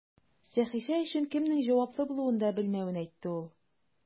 Сәхифә өчен кемнең җаваплы булуын да белмәвен әйтте ул.